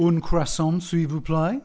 Une croissant s'il vous plaît.